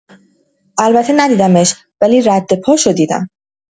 البته ندیدمش ولی رد پاشو دیدم!